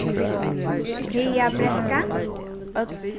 hagabrekka